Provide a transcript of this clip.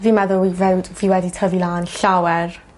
fi'n meddwl fi wedi tyfu lan llawer